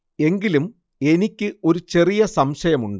എങ്കിലും എനിക്ക് ഒരു ചെറിയ സംശയമുണ്ട്